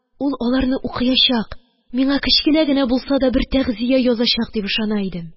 Ул аларны укыячак, миңа кечкенә генә булса да бер тәгъзия язачак дип ышана идем.